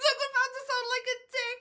I'm about to sound like a dick